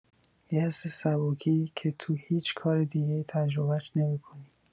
یه حس سبکی که تو هیچ کار دیگه‌ای تجربه‌اش نمی‌کنی.